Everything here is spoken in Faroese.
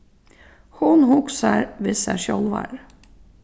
hon hugsar við sær sjálvari